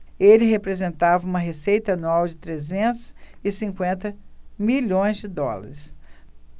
ele representava uma receita anual de trezentos e cinquenta milhões de dólares